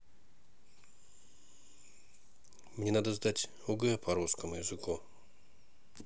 мне надо сдать огэ по русскому языку